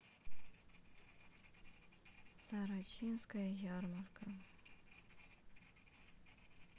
сорочинская ярмарка